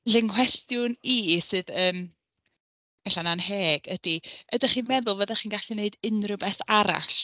Felly nghwestiwn i sydd yn ella'n anheg ydy, ydach chi'n meddwl fyddach chi'n gallu wneud unrhyw beth arall?